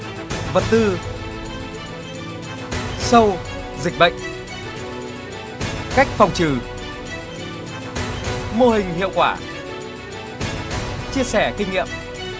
vật tư sâu dịch bệnh cách phòng trừ mô hình hiệu quả chia sẻ kinh nghiệm